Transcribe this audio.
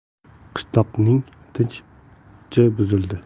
qishloqning tinchi buzildi